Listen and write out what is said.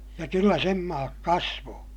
ja kyllä sen maat kasvoi